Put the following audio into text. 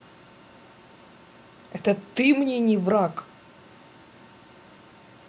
это ты мне не враг